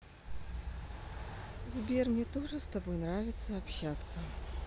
сбер мне тоже с тобой нравится общаться